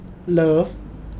เลิฟ